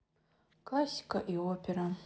классика и опера